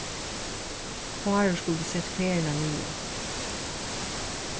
bárður skuldi sett ferðina niður